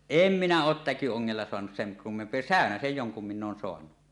en minä ole täkyongella saanut sen kummempia säynäsiä jonkun minä olen saanut